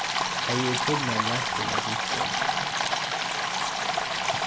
hevði eg kunnað lænt tína telefon